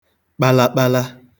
kpalakpala